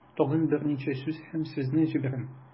Тагын берничә сүз һәм сезне җибәрәм.